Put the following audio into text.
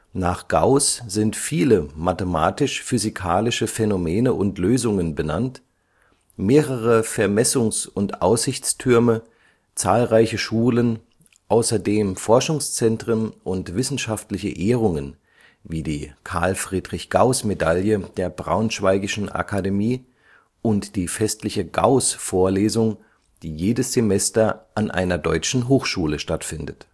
Nach Gauß sind viele mathematisch-physikalische Phänomene und Lösungen benannt, mehrere Vermessungs - und Aussichtstürme, zahlreiche Schulen, außerdem Forschungszentren und wissenschaftliche Ehrungen wie die Carl-Friedrich-Gauß-Medaille der Braunschweigischen Akademie und die festliche Gauß-Vorlesung, die jedes Semester an einer deutschen Hochschule stattfindet